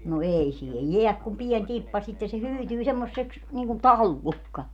no ei siihen jää kuin pieni tippa sitten se hyytyy semmoiseksi niin kuin pallukka